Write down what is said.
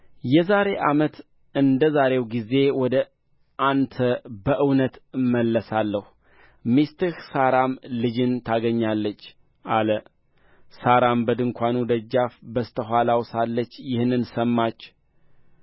የዛሬ ዓመት እንደ ዛሬው ጊዜ ወደ አንተ በእውነት እመለሳለሁ ሚስትህ ሣራም ልጅን ታገኛለች አለ ሣራም በድንኳን ደጃፍ በስተ ኋላው ሳለች ይህንን ሰማች